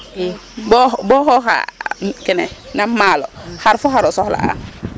II bo xooxaa kene maalo xar fo xar o soxla'a.